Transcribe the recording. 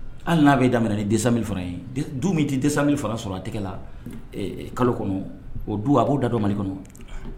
Hali n'a bɛ daminɛ ni disani fana ye du min di disani fana sɔrɔ a tɛgɛla kalo kɔnɔ o du a b'o da dɔmani kɔnɔ